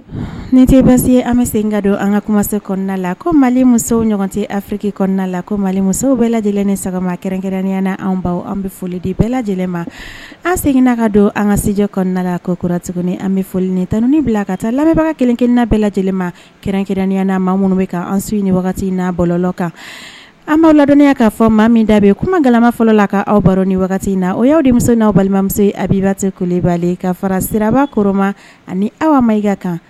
Ni tɛ basi an bɛ sen ka don an ka kumase kɔnɔna la ko mali musow ɲɔgɔn tɛ afiri kɔnɔna la ko mali musow bɛɛ lajɛlen ni sama kɛrɛn-kɛrɛnyaana an baw an bɛ foli de bɛɛ lajɛlen ma an seginna ka don an ka sjɛ kɔnɔna la kokurarati an bɛ foli ni taun bila ka taa labɛnbaga kelen-kelenina bɛɛ lajɛlen kɛrɛnkɛrɛnyaana maa minnu bɛ ka an su ni wagati in n na bɔlɔ kan an b'a ladɔnya k'a fɔ maa min da bɛ kuma galama fɔlɔ la ka aw baro ni wagati in na o y' de muso n'aw balimamuso a bibatɛ ko bali ka fara siraba koroma ani aw ma ka kan